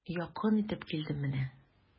Якын итеп килдем менә.